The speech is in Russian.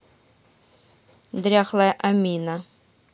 дряхлая амина